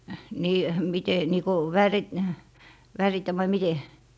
niin miten niin kuin - värittä vai miten